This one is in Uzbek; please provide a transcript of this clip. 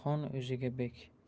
xon o'ziga bek